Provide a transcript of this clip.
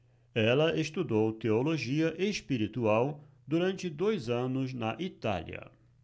ela estudou teologia espiritual durante dois anos na itália